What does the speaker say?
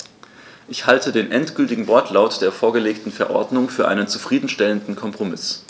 Ich halte den endgültigen Wortlaut der vorgelegten Verordnung für einen zufrieden stellenden Kompromiss.